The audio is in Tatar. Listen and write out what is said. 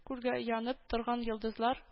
Күлгә янып торган йолдызлар